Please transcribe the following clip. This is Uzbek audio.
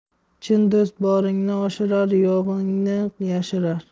chin do'st boringni oshirar yo'g'ingni yashirar